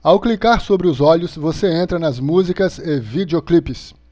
ao clicar sobre os olhos você entra nas músicas e videoclipes